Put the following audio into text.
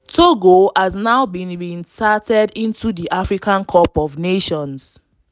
Togo has now been reinserted in the African Cup of Nations.